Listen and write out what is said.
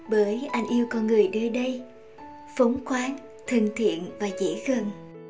bởi anh yêu con người nơi đây phóng khoáng thân thiện và dễ gần